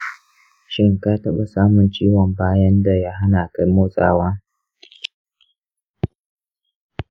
shin ka taba samun ciwon bayan daya hanaka motsawa?